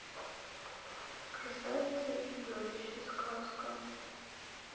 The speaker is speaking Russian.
красавица и чудовище сказка